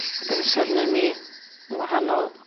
Ag o'dd 'yn sirname i yn wahanol